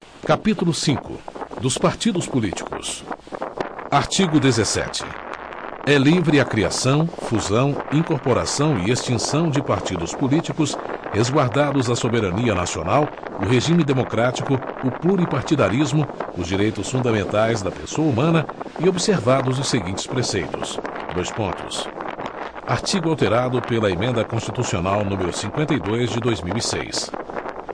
capítulo cinco dos partidos políticos artigo dezessete é livre a criação fusão incorporação e extinção de partidos políticos resguardados a soberania nacional o regime democrático o pluripartidarismo os direitos fundamentais da pessoa humana e observados os seguintes preceitos dois pontos artigo alterado pela emenda constitucional número cinqüenta e dois de dois mil e seis